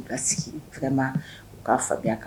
N ka sigi fɛnma u k'a faamuya kan